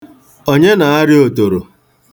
Onye na-arịa otoro?